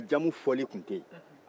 danbɛlɛjamu fɔli tun tɛ yen